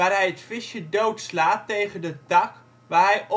het visje doodslaat tegen de tak waar